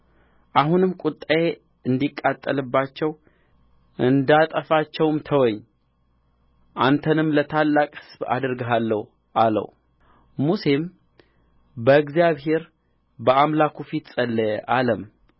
አሁንም ቍጣዬ እንዲቃጠልባቸው እንዳጠፋቸውም ተወኝ አንተንም ለታላቅ ሕዝብ አደርግሃለሁ አለው ሙሴም በእግዚአብሔር በአምላኩ ፊት ጸለየ አለም